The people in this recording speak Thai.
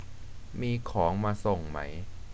มีของมาส่งไหม